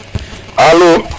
Alo